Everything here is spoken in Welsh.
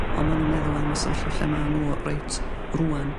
on' ma' n'w meddwl am y sefyllfa lle ma' n'w reit rŵan.